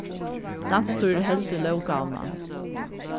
landsstýrið heldur lóggávuna